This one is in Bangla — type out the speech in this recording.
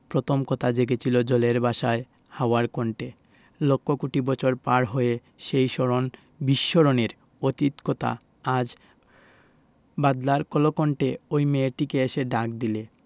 প্রথম কথা জেগেছিল জলের ভাষায় হাওয়ার কণ্ঠে লক্ষ কোটি বছর পার হয়ে সেই স্মরণ বিস্মরণের অতীত কথা আজ বাদলার কলকণ্ঠে ঐ মেয়েটিকে এসে ডাক দিলে